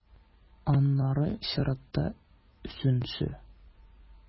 Аннары чиратта - өченчесе.